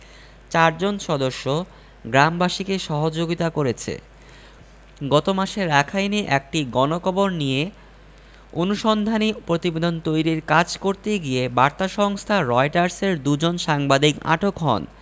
চারজন সদস্য গ্রামবাসীকে সহযোগিতা করেছে গত মাসে রাখাইনে একটি গণকবর নিয়ে অনুসন্ধানী প্রতিবেদন তৈরির কাজ করতে গিয়ে বার্তা সংস্থা রয়টার্সের দুজন সাংবাদিক আটক হন